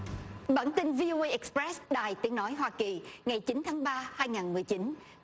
bản tin vi âu vi ích soét đài tiếng nói hoa kỳ ngày chín tháng ba hai nghìn mười chín